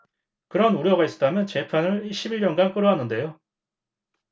그런 우려가 있었다면 재판을 십 일 년간 끌어왔는데요